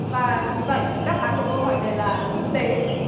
và vì vậy đáp án của câu hỏi này là quốc tế